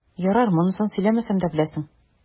Ярар, монысын сөйләмәсәм дә беләсең.